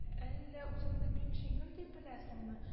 Әллә үзеңне бик җиңел дип беләсеңме